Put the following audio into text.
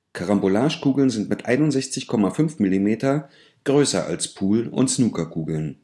Carambolagekugeln sind mit 61,5 mm größer als Pool - und Snookerkugeln